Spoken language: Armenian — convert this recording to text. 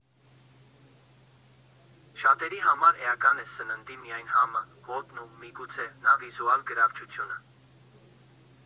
Շատերի համար էական է սննդի միայն համը, հոտն ու, միգուցե, նաև վիզուալ գրավչությունը։